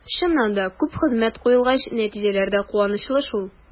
Чыннан да, күп хезмәт куелгач, нәтиҗәләр дә куанычлы шул.